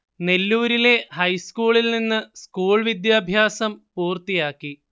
നെല്ലൂരിലെ ഹൈസ്കൂളിൽ നിന്ന് സ്കൂൾ വിദ്യാഭ്യാസം പൂർത്തിയാക്കി